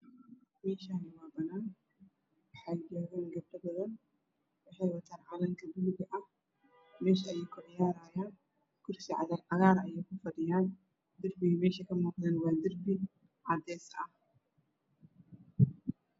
Meeshaan waa meel banaan ah waxaa joogo gabdho badan waxay wataan calanka buluug ah meesha ayay kucayaarahayaan. Kursi cagaaran ayay kufadhiyaan darbigu waa cadeys.